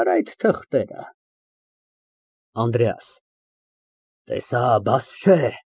Դու այնտեղ չես տեսնիլ ոչ պորտֆելի և ոչ ռուբլու հերոսներին, այսինքն՝ ոչ իրավաբաններին և ոչ բժիշկներին։